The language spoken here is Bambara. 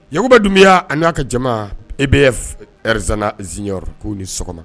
Yakuba dunya ani n y'a ka jama e bɛ zzy ko ni sɔgɔma